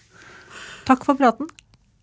takk for praten.